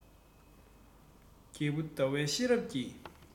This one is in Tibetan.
རྒྱལ བུ ཟླ བའི ཤེས རབ ཀྱིས